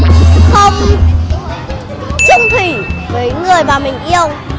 không chung thủy với người mà mình yêu